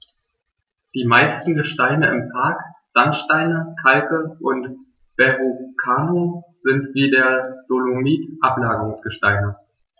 Die meisten Gesteine im Park – Sandsteine, Kalke und Verrucano – sind wie der Dolomit Ablagerungsgesteine.